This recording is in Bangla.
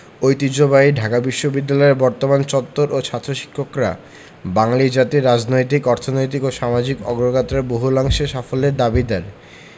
ঐতিহ্যবাহী ঢাকা বিশ্ববিদ্যালয়ের বর্তমান চত্বর এবং এর ছাত্র শিক্ষকরা বাঙালি জাতির রাজনৈতিক অর্থনৈতিক ও সামাজিক অগ্রযাত্রায় বহুলাংশে সাফল্যের দাবিদার